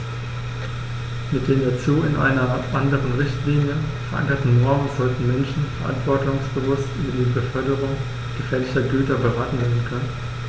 Mit den dazu in einer anderen Richtlinie, verankerten Normen sollten Menschen verantwortungsbewusst über die Beförderung gefährlicher Güter beraten werden können.